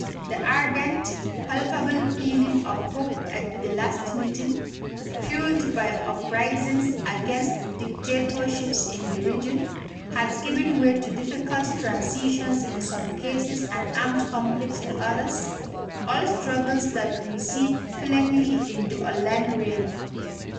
The ardent, palpable feeling of hope at the last meeting, fueled by uprisings against dictatorships in the region, has given way to difficult transitions in some cases and armed conflict in others, all struggles that we see plainly in the online realm.